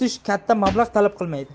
yuritish katta mablag' talab qilmaydi